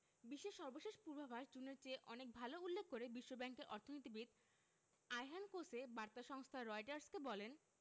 বিশ্বের সর্বশেষ পূর্বাভাস জুনের চেয়ে অনেক ভালো উল্লেখ করে বিশ্বব্যাংকের অর্থনীতিবিদ আয়হান কোসে বার্তা সংস্থা রয়টার্সকে বলেন